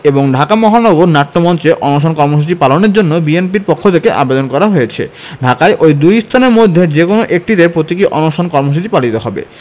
এবং ঢাকা মহানগর নাট্যমঞ্চে অনশন কর্মসূচি পালনের জন্য বিএনপির পক্ষ থেকে আবেদন করা হয়েছে ঢাকায় ওই দুই স্থানের মধ্যে যেকোনো একটিতে প্রতীকী অনশন কর্মসূচি পালিত হবে